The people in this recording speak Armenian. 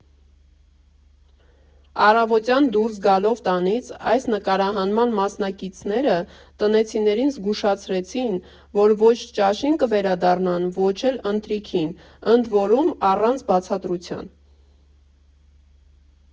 Առավոտյան դուրս գալով տանից՝ այս նկարահանման մասնակիցները տնեցիներին զգուշացրեցին, որ ո՛չ ճաշին կվերադառնան, ո՛չ էլ ընթրիքին, ընդ որում, առանց բացատրության։